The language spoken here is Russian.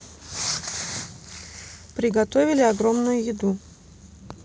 приготовили огромную еду